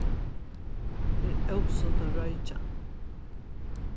tað er ósunt at roykja